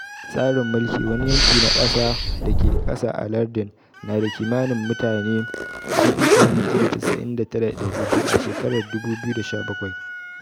Tsarin mulki, wani yanki na kasa da ke ƙasa a lardin, nada kimanin mutane 299,200 a shekarar 2017.